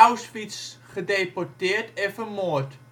Auschwitz gedeporteerd en vermoord